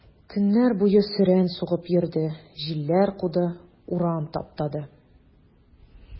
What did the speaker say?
Көннәр буе сөрән сугып йөрде, җилләр куды, урам таптады.